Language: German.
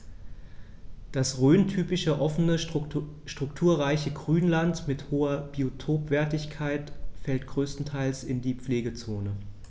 Das rhöntypische offene, strukturreiche Grünland mit hoher Biotopwertigkeit fällt größtenteils in die Pflegezone.